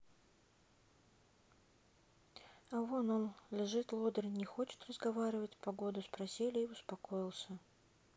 а вон он лежит лодырь не хочет разговаривать погоду спросили и успокоился